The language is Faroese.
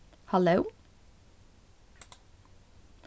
halló